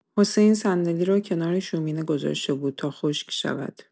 حسین صندلی را کنار شومینه گذاشته بود تا خشک شود.